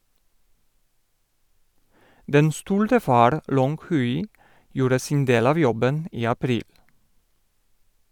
Den stolte far Long Hui gjorde sin del av jobben i april.